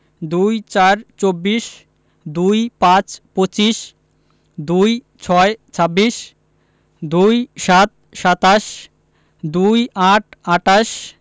২৪ – চব্বিশ ২৫ – পঁচিশ ২৬ – ছাব্বিশ ২৭ – সাতাশ ২৮ - আটাশ